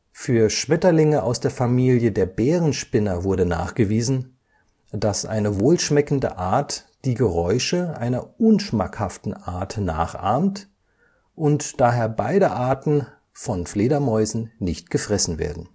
Für Schmetterlinge aus der Familie der Bärenspinner wurde nachgewiesen, dass eine wohlschmeckende Art die Geräusche einer unschmackhaften Art nachahmt und daher beide Arten von Fledermäusen nicht gefressen werden